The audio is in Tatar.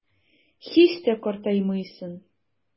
Һич тә картаймыйсың.